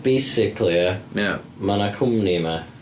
Basically ia... Ia. ...Ma' 'na cwmni ma'.